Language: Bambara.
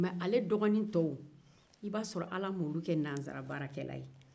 mɛ ale dɔgɔnin tɔw i b'a sɔrɔ ala m'omu kɛ nansarabaarakɛla ye